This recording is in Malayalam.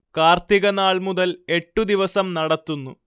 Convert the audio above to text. കാർത്തിക നാൾ മുതൽ എട്ടു ദിവസം നടത്തുന്നു